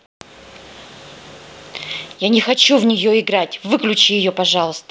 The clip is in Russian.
я не хочу в нее играть выключи ее пожалуйста